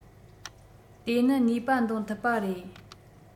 དེ ནི ནུས པ འདོན ཐུབ པ རེད